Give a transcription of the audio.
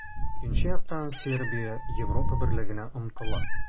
Икенче яктан, Сербия Европа Берлегенә омтыла.